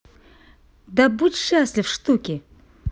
да будь счастлив в штуки